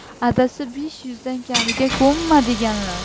adasi besh yuzdan kamiga ko'nma deganlar